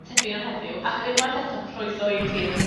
atebion heddiw ac unwaith eto croeso i'r tîm.